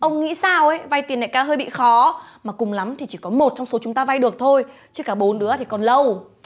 ông nghĩ sao ý vay tiền đại ca hơi bị khó mà cùng lắm thì chỉ có một trong số chúng ta vay được thôi chứ cả bốn đứa thì còn lâu